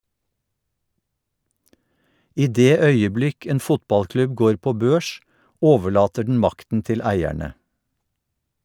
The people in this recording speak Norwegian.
I det øyeblikk en fotballklubb går på børs, overlater den makten til eierne.